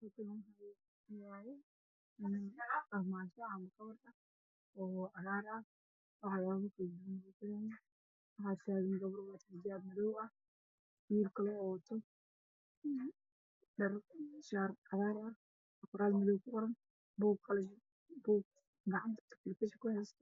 Beeshan waa meel lagu gado alaabo fara badan sida daawooyinka waxaa iga muuqda wiil wata funaanad cagaaran iyo gabar xijaab madow